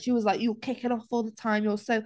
She was like, "you're kicking off all the time, you're so..."